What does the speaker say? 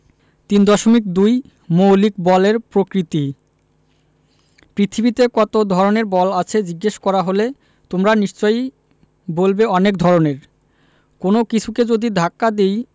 ৩.২ মৌলিক বলের প্রকৃতিঃ পৃথিবীতে কত ধরনের বল আছে জিজ্ঞেস করা হলে তোমরা নিশ্চয়ই বলবে অনেক ধরনের কোনো কিছুকে যদি ধাক্কা দিই